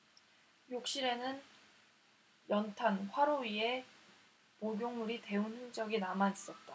욕실에는 연탄 화로 위에 목욕물이 데운 흔적이 남아있었다